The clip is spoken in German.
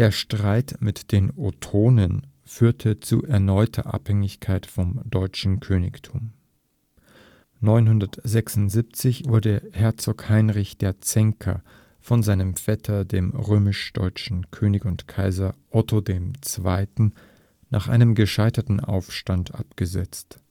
Streit mit den Ottonen führte zu erneuter Abhängigkeit vom deutschen Königtum: 976 wurde Herzog Heinrich „ der Zänker “von seinem Vetter, dem römisch-deutschen König und Kaiser Otto II., nach einem gescheiterten Aufstand abgesetzt